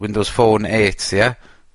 Windows phone eight ia?